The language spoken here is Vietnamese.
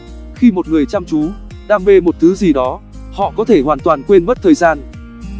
khi một người chăm chú đam mê một thứ gì đó họ có thể hoàn toàn quên mất thời gian